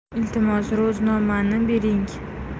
iltimos ro'znomani bering